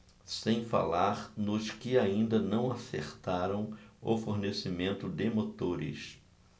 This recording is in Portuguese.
sem falar nos que ainda não acertaram o fornecimento de motores